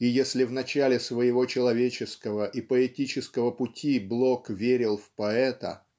И если в начале своего человеческого и поэтического пути Блок верил в поэта